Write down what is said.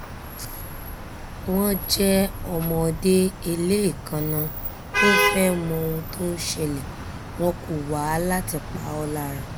Wọn jẹ ọmọdé eléèékánná, tó ńfẹ́ mọ ohun tó ńṣẹlẹ̀...wọ́n ko wa láti pa ọ́ lára.